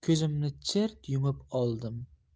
ko'zimni chirt yumib oldim